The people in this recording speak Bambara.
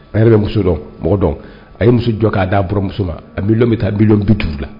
A yɛrɛ bɛ muso dɔn mɔgɔ dɔn a ye muso jɔ k'a' amuso ma a bɛ bɛ taa a bɛ bitu la